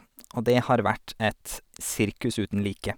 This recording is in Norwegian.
Og det har vært et sirkus uten like.